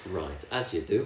Right as you do